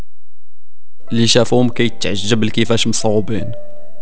ليش افهمك يتعذب الكفاش الصوبين